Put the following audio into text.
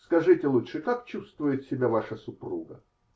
Скажите лучше, как чувствует себя ваша супруга?